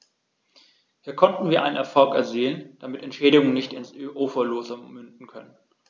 Hier konnten wir einen Erfolg erzielen, damit Entschädigungen nicht ins Uferlose münden können.